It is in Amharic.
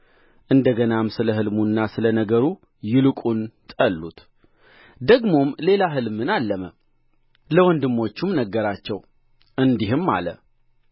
እንደ ገናም ስለ ሕልሙና ስለ ነገሩ ይልቁን ጠሉት ደግሞም ሌላ ሕልምን አለመ ለወንድሞቹም ነገራቸው እንዲህም አለ